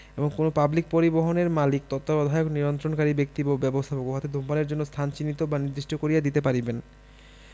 এবং কোন পাবলিক পরিবহণের মালিক তত্ত্বাবধায়ক নিয়ন্ত্রণকারী ব্যক্তি বা ব্যবস্থাপক উহাতে ধূমপানের জন্য স্থান চিহ্নিত বা নির্দিষ্ট করিয়া দিতে পারিবেন